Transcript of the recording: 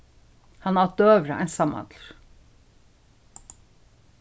hann át døgurða einsamallur